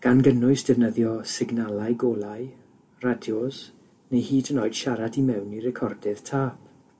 gan gynnwys defnyddio signalau golau, radios, neu hyd yn oed siarad i mewn i recordydd tâp.